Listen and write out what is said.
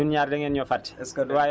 ma n ak moom yëpp dangeen ñu waroon yóbbu